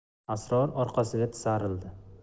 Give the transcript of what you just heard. asror orqasiga tisarildi